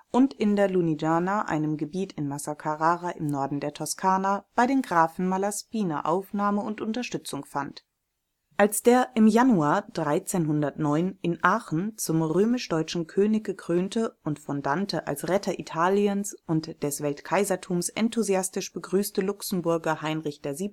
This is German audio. und in der Lunigiana (einem Gebiet in Massa-Carrara im Norden der Toskana) bei den Grafen Malaspina (1306 u. ö.) Aufnahme und Unterstützung fand. Als der im Januar 1309 in Aachen zum römisch-deutschen König gekrönte und von Dante als Retter Italiens und des Weltkaisertums enthusiastisch begrüßte Luxemburger Heinrich VII